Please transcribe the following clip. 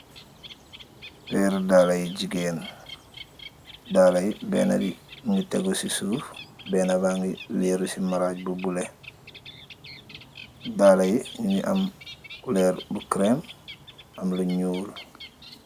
Peri daala yu jigeen daala bi bena mogi tegu si soof bena bagi weru c marag bu bulo dalayi mugi am culor bu cream aam lu nuul.